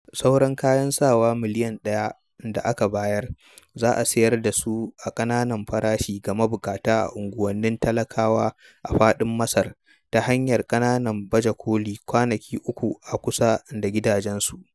Sauran kayan sawa miliyan ɗaya da aka bayar, za a sayar da su a ƙananan farashi ga mabuƙata a unguwannin talakawa a faɗin Masar, ta hanyar ƙananan baje kolin kwanaki 3 a kusa da gidajensu.